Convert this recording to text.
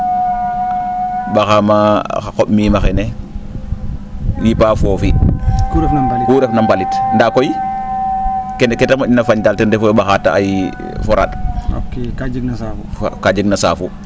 ?axaa ma xa qo? niima xene yipaa foofi ku refna mbaliit ndaa koy kene kee te mo?na fañ daal ten refu yee ?axaa ta ay foraand kaa jeg na a saafu